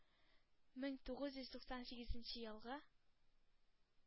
Мең тугыз йөз туксан сигезенче елгы